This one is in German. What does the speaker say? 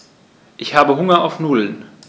Ich habe Hunger auf Nudeln.